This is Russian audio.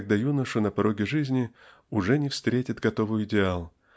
когда юношу на пороге жизни уже не встретит готовый идеал